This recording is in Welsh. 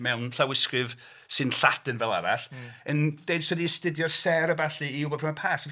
Mewn llawysgrif sy'n Lladin fel arall yn deud sut i astudio sêr a ballu i wybod pryd mae Pasg.